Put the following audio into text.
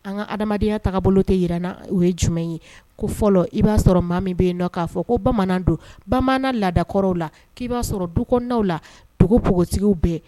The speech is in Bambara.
An ka adamadenya taabolo tɛ jira n na, o ye jumɛn ye? Ko fɔlɔ i b'a sɔrɔ maa min bɛ yen nɔ k'a fɔ ko bamanan don. Bamanan laadakɔrɔw la k'i b'a sɔrɔ du kɔnɔnaw la, dugu npogotigiw bɛɛ